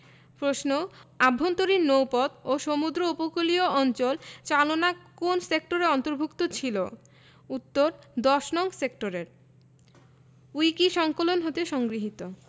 প্রশ্ন আভ্যন্তরীণ নৌপথ ও সমুদ্র উপকূলীয় অঞ্চল চালনা কোন সেক্টরের অন্তভু র্ক্ত ছিল উত্তরঃ ১০নং সেক্টরে উইকিসংকলন হতে সংগৃহীত